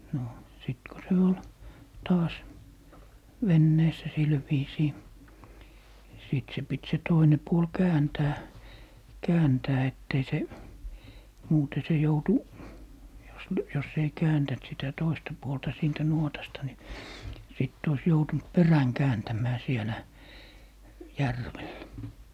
no sitten kun se oli taas veneessä sillä viisiin sitten se piti se toinen puoli kääntää kääntää että ei se muuten se joutui jos - jos ei kääntänyt sitä toista puolta siitä nuotasta niin sitten olisi joutunut perän kääntämään siellä järvellä